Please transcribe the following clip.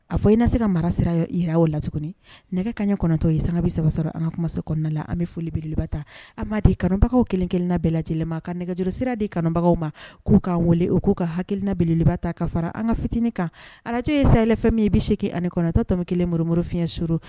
A fɔ i na se ka mara sira yira o la tuguni nɛgɛ kaɲɛ kɔnɔtɔn ye sangabi saba sɔrɔ an kuma se kɔnɔna nala an bɛ foli beleba ta an m ma di kanubagaw kelen-kelenna bɛɛ lajɛlen ma ka nɛgɛjuru sira di kanubagaw ma k'u k'an weele u k'u ka haina beleba ta ka fara an ka fitinin kan arajo ye sayayfɛn min ye i bɛ seke ani kɔnɔtɔ tɔmi kelen moriɔri f fiɲɛyɛn sururu